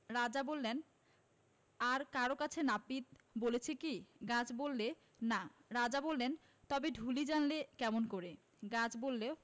রাজা বললেন আর কারো কাছে নাপিত বলেছে কি গাছ বললে না রাজা বললেন তবে ঢুলি জানলে কেমন করে গাছ বললে